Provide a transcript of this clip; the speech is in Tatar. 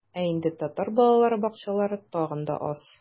Ә инде татар балалар бакчалары тагын да аз.